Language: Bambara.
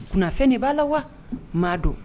Kunfɛn de b'a la wa ma don